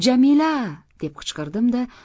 jamila a a a deb qichqirdim da